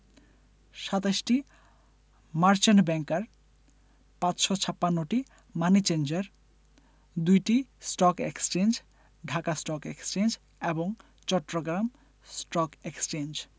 ২৭টি merchant banker ৫৫৬টি money changer ২টি stock exchange Dhaka stock exchange এবং চট্টগ্রাম স্টক এক্সচেঞ্জ